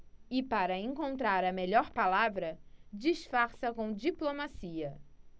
é para encontrar a melhor palavra disfarça com diplomacia